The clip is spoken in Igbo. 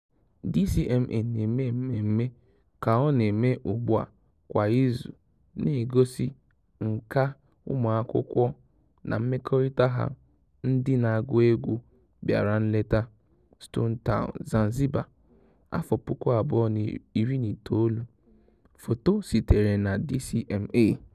DCMA na-eme mmemme ka ọ na-eme ugbua kwa izu na-egosi nkà ụmụakwụkwọ na mmekorita ha na ndị na-agụ egwu bịara nleta, Stone Town, Zanzibar, 2019. Foto sitere na DCMA.